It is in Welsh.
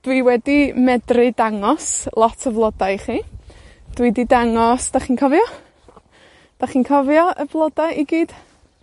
dwi wedi medru dangos lot o flodau i chi. Dwi 'di dangos, 'dach chi'n cofio? 'Dach chi'n cofio y floda i gyd?